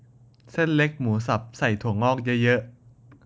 เส้นเล็กหมูสับใส่ถั่วงอกเยอะเยอะ